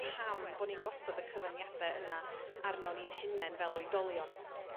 pam bo' ni'n gosod y cyfyngiade yna arnon ni'n hunen fel oedolion?